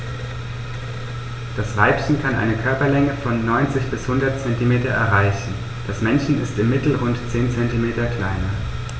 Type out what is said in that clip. Das Weibchen kann eine Körperlänge von 90-100 cm erreichen; das Männchen ist im Mittel rund 10 cm kleiner.